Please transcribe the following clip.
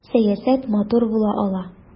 Сәясәт матур була ала!